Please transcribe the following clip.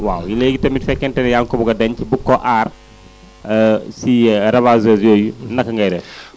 waaw léegi tamit bu fekkente ne yaa ngi ko bëgg a denc bëgg ko aar si ravageurs yooyu naka ngay def